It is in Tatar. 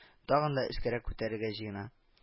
Тагын да өскәрәк күтәрергә җыена